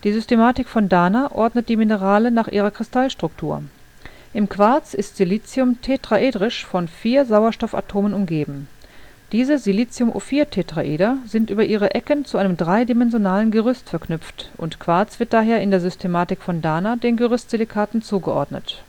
Systematik von Dana ordnet die Minerale nach ihrer Kristallstruktur. Im Quarz ist Silicium tetraedrisch von vier Sauerstoffatomen umgeben. Diese SiO4-Tetraeder sind über ihre Ecken zu einem dreidimensionalem Gerüst verknüpft und Quarz wird daher in der Systematik von Dana den Gerüstsilikaten zugeordnet